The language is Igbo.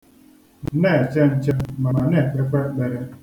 Na-eche nche ma na-ekpekwa ekpere.